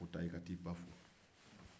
taa i ba fo